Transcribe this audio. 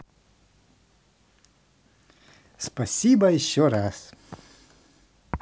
спасибо еще раз